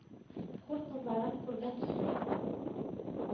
Хур кызларын күргән төсле,